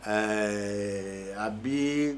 Ɛɛ a bi